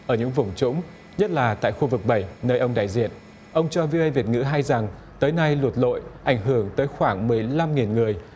ở những vùng trũng nhất là tại khu vực bảy nơi ông đại diện ông cho vi ô ây việt ngữ hay rằng tới nay lụt lội ảnh hưởng tới khoảng mười lăm nghìn người